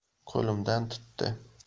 qo'limdan tutdi